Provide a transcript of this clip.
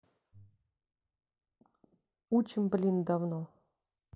учим блин давно